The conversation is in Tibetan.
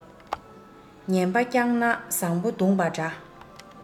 ངན པ བསྐྱངས ན བཟང པོ བརྡུངས པ འདྲ